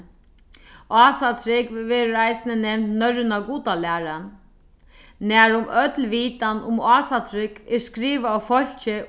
ásatrúgv verður eisini nevnd norrøna gudalæran nærum øll vitan um ásatrúgv er skrivað av fólki